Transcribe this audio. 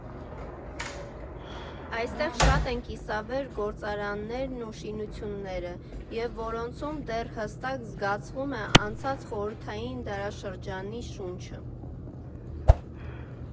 Այստեղ շատ են կիսավեր գործարաններն ու շինությունները, և որոնցում դեռ հստակ զգացվում է անցած խորհրդային դարաշրջանի շունչը։